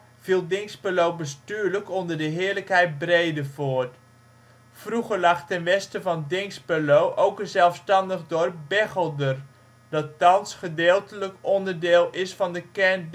viel Dinxperlo bestuurlijk onder de heerlijkheid Bredevoort. Vroeger lag ten westen van Dinxperlo ook een zelfstandig dorp Beggelder, dat thans gedeeltelijk onderdeel is van de kern